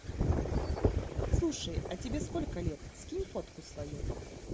слушай а тебе сколько лет скинь фотку свою